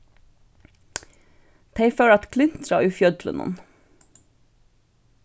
tey fóru at klintra í fjøllunum